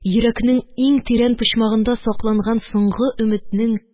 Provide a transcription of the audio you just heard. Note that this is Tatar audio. Йөрәкнең иң тирән почмагында сакланган соңгы өметнең